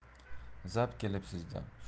zap kelibsizda shu notinch